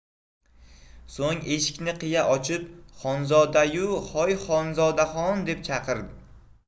so'ng eshikni qiya ochib xonzoda yu hoy xonzodaxon deb chaqirdi